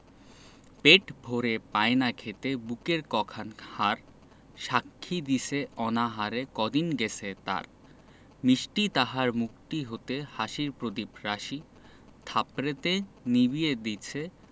পেট ভরে পায় না খেতে বুকের ক খান হাড় সাক্ষী দিছে অনাহারে কদিন গেছে তার মিষ্টি তাহার মুখটি হতে হাসির প্রদীপ রাশি থাপড়েতে নিবিয়ে দিছে